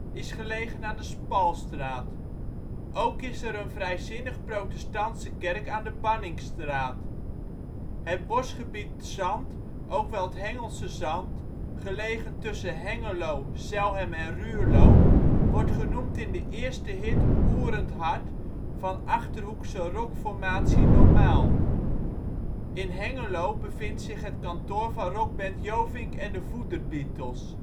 is gelegen aan de Spalstraat. Ook is er een vrijzinnig-protestantse kerk aan de Banninkstraat. Het bosgebied "' t Zand " (ook wel "' t Hengelse Zand "), gelegen tussen Hengelo, Zelhem en Ruurlo, wordt genoemd in de eerste hit " Oerend Hard " van Achterhoekse rockformatie Normaal. In Hengelo bevindt zich het kantoor van rockband Jovink en de Voederbietels